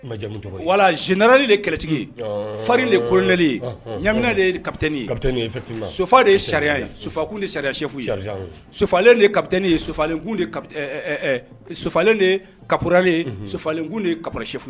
Ma jamu tugun voila general de ye kɛlɛtigi ye, ɔnn, farin de ye colonel , ɔnhɔn, ɲamina de ye capiaine ye,- -capitaine ye, effectivement, sofa de ye sergent sofakun de ye sergent chef sofalen de ye capitaine, ɛɛ sofalen de ye caporal unhu sofalenkun de ye caporal chef ye.